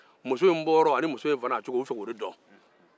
u b'a fe ka muso in ka cogoya dɔn